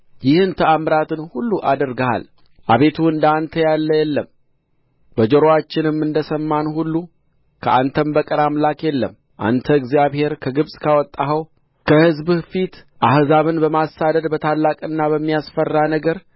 ይህን ታአምራት ሁሉ አድርገሃል አቤቱ እንዳንተ ያለ የለም በጆሮአችንም እንደሰማን ሁሉ ከአንተ በቀር አምላክ የለም አንተ እግዚአብሔር ከግብጽ ካወጣኸው ከሕዝብህ ፊት አሕዛብን በማሳደድ በታላቅና በሚያስፈራ ነገር